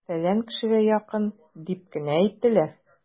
"фәлән кешегә якын" дип кенә әйтелә!